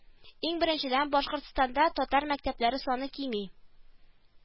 Иң беренчедән Башкортстанда татар мәктәпләре саны кими